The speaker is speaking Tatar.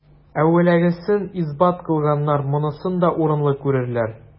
Әүвәлгесен исбат кылганнар монысын да урынлы күрерләр.